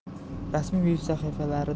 rasmiy veb sahifalarida